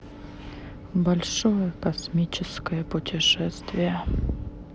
большое космическое путешествие